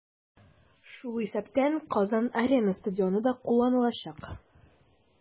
Шул исәптән "Казан-Арена" стадионы да кулланылачак.